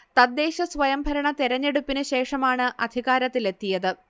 തദ്ദേശ സ്വയംഭരണ തെരഞ്ഞെടുപ്പിനു ശേഷമാണ് അധികാരത്തിലെത്തിയത്